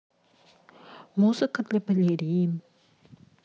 музыка для балерин